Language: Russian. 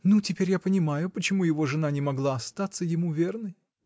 Ну, теперь я понимаю, почему его жена не могла остаться ему верной".